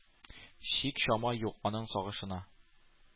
Чик-чама юк аның сагышына.